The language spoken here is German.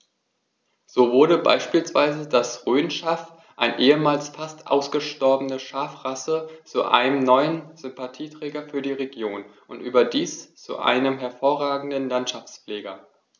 So wurde beispielsweise das Rhönschaf, eine ehemals fast ausgestorbene Schafrasse, zu einem neuen Sympathieträger für die Region – und überdies zu einem hervorragenden Landschaftspfleger.